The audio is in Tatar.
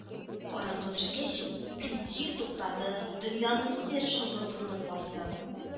Караңгы төшкәч, җил туктады, дөньяны ниндидер шомлы тынлык басты